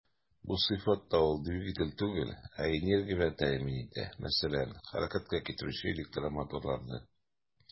Бу сыйфатта ул двигатель түгел, ә энергия белән тәэмин итә, мәсәлән, хәрәкәткә китерүче электромоторларны.